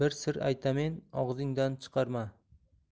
og'zing dan chiqarma